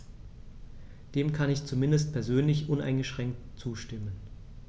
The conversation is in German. Dem kann ich zumindest persönlich uneingeschränkt zustimmen.